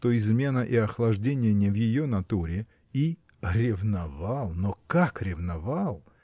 что измена и охлаждение не в ее натуре и – ревновал но как ревновал!